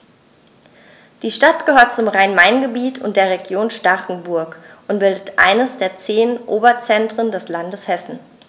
Die Stadt gehört zum Rhein-Main-Gebiet und der Region Starkenburg und bildet eines der zehn Oberzentren des Landes Hessen.